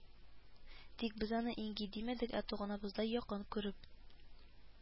Тик без аны иңги димәдек, ә туганыбыздай якын күреп